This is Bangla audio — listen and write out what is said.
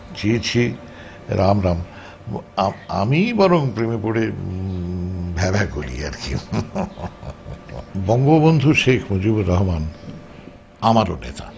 ছি ছি রাম রাম আমিই বরং প্রেমে পড়ে ভ্যা ভ্যা করি আর কি বঙ্গবন্ধু শেখ মুজিবুর রহমান আমারও নেতা